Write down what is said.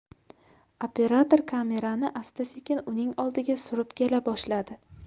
operator kamerani asta sekin uning oldiga surib kela boshladi